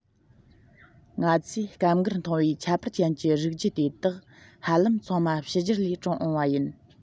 ང ཚོས སྐབས འགར མཐོང བའི ཁྱད པར ཅན གྱི རིགས རྒྱུད དེ དག ཧ ལམ ཚང མ ཕྱི རྒྱལ ལས དྲངས འོངས པ ཡིན